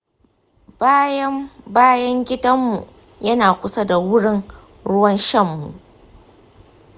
bayan bayan gidanmu yana kusa da wurin ruwan shan mu.